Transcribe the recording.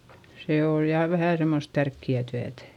se on ja vähän semmoista tärkeää työtä